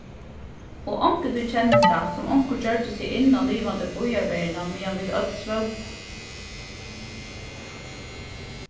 og onkuntíð kennist tað sum onkur gjørdi seg inn á livandi býarveruna meðan vit øll svóvu